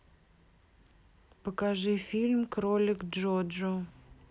покажи фильм кролик джоджо